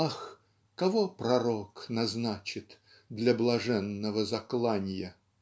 Ах, кого пророк назначит Для блаженного закланья?